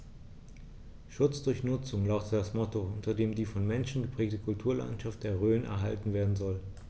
„Schutz durch Nutzung“ lautet das Motto, unter dem die vom Menschen geprägte Kulturlandschaft der Rhön erhalten werden soll.